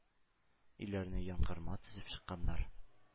Өйләренә янкорма төзеп чыкканнар.